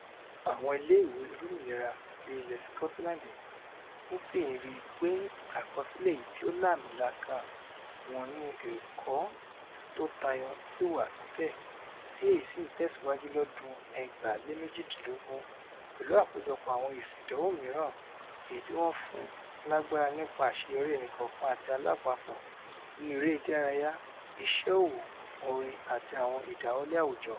Àwọn ilé ìwé olómìnira ti ilẹ̀ Sikọtiland ńsì ríipé àkọsílẹ̀ èyití o lààmì-laaka wọn nínú ẹ̀kọ́ tótayọ sì wà síbẹ̀, tí èyí sì ńtẹ̀síwájú lọ́dún 2018 pẹ̀lú àkójọpọ̀ àwọn èsì ìdánwò mìíràn, èyití wọ́n fún lágbára nípa àṣeyọrí ẹnìkọ̀òkan àti alápapọ̀ nínú eré ìdárayá, iṣẹ́-ọwọ́, orin àti àwọn ìdáwọlé àwùjọ.